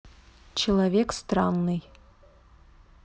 человек странный